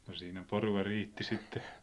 no siinä porua riitti sitten